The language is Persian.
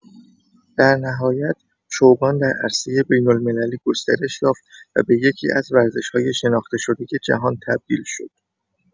در نهایت چوگان در عرصه بین المللی گسترش یافت و به یکی‌از ورزش‌های شناخته شده جهان تبدیل شد.